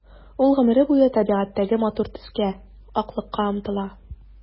Ул гомере буе табигатьтәге матур төскә— аклыкка омтыла.